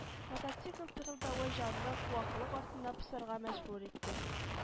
Мотоцикл тырылдавы жанны-куаклык артына посарга мәҗбүр итте